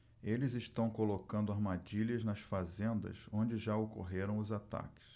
eles estão colocando armadilhas nas fazendas onde já ocorreram os ataques